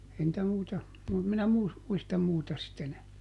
ei niitä muita - minä - muista muuta sitten enää